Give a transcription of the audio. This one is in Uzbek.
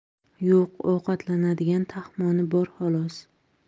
yo'q ovqatlanadigan taxmoni bor xolos